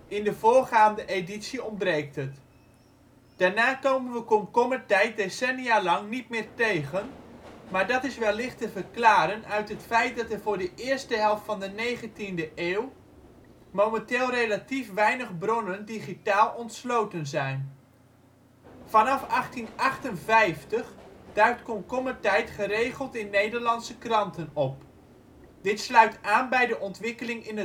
in de voorgaande editie ontbreekt het). Daarna komen we komkommertijd decennialang niet meer tegen, maar dat is wellicht te verklaren uit het feit dat er voor de eerste helft van de 19de eeuw momenteel relatief weinig bronnen digitaal ontsloten zijn. Vanaf 1858 duikt komkommertijd geregeld in Nederlandse kranten op. Dit sluit aan bij de ontwikkeling in